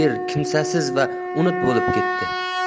yer kimsasiz va unut bo'lib ketdi